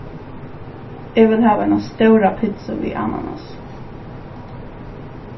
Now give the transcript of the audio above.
eg vil hava eina stóra pitsu við ananas